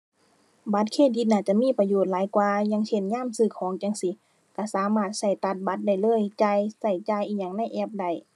บัตรเครดิตน่าจะมีประโยชน์หลายกว่า อย่างเช่นยามซื้อของจั่งซี้ ก็สามารถก็ตัดบัตรได้เลย จ่าย ก็จ่ายอิหยังในแอปได้